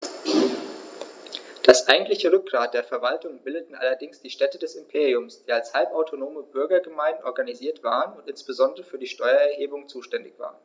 Das eigentliche Rückgrat der Verwaltung bildeten allerdings die Städte des Imperiums, die als halbautonome Bürgergemeinden organisiert waren und insbesondere für die Steuererhebung zuständig waren.